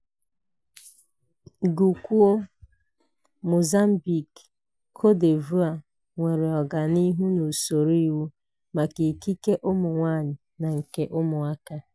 Gụkwuo: Mozambique, Cote d'Ivoire nwere ọganihu n'usoro iwu maka ikike ụmụ nwaanyị na nke ụmụaka